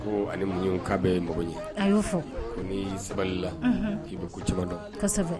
Ko ali ka bɛ mɔgɔ a y'o fɔ ko ni sabali la k'i bɛ ko cɛba dɔn